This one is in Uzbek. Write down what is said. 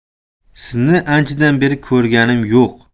sizni anchadan beri ko'rganim yo'q